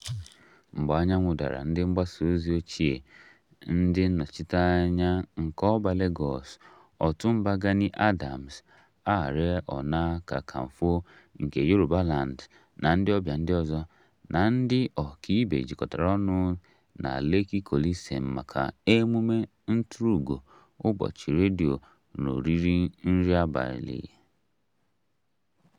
Mgbe anyanwụ dara, ndị mgbasa ozi ochie, ndị nnọchiteanya nke Oba Lagos, Ọ̀túnba Gani Adams, Ààrẹ Ọ̀nà Kakanfọ nke Yorùbá-land na ndị ọbịa ndị ọzọ na ndị ọkaibe jikọtara ọnụ na Lekki Coliseum maka emume nturu ugo ụbọchị redio na oriri nri abalị.